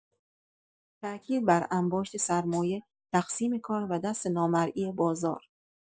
تأکید بر انباشت سرمایه، تقسیم کار و دست نامرئی بازار